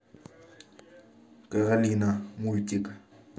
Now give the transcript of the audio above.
королина мультик